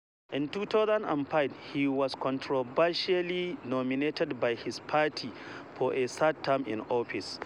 In 2015, he was controversially nominated by his party for a third term in office.